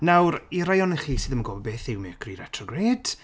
Nawr i rai ohonoch chi sydd ddim yn gwybod beth yw Mercury retrograde